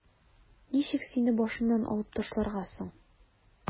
Ничек сине башымнан алып ташларга соң?